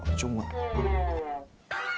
trung ạ